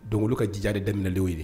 Dɔnku ka jija de daminli ye